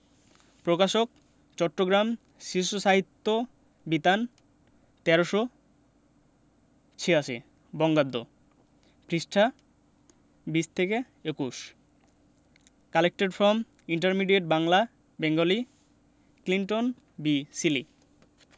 প্রকাশকঃ চট্টগ্রাম শিশু সাহিত্য বিতান ১৩৮৬ বঙ্গাব্দ পৃষ্ঠাঃ ২০ ২১ collected from intermediate Bangla Bengali Clinton B Seely